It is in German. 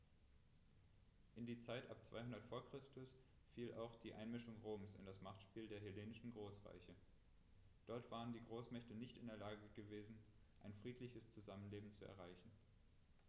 In die Zeit ab 200 v. Chr. fiel auch die Einmischung Roms in das Machtspiel der hellenistischen Großreiche: Dort waren die Großmächte nicht in der Lage gewesen, ein friedliches Zusammenleben zu erreichen.